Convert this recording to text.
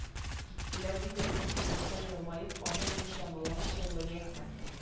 Киттеләр диде тилемсә елмаеп аны-моны чамаламыйча вәлиәхмәт